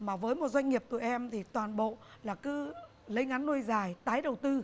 mà với một doanh nghiệp tụi em thì toàn bộ là cứ lấy ngắn nuôi dài tái đầu tư